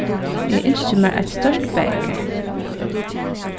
eg ynski mær eitt stórt baðikar